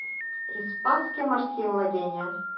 испанские морские владения